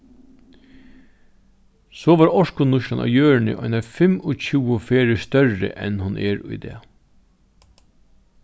so var orkunýtslan á jørðini einar fimmogtjúgu ferðir størri enn hon er í dag